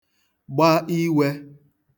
gba iwē